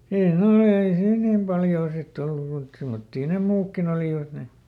ei ne olleet ei siinä niin paljoa sitten ollut muita semmoisia ne muutkin olivat ne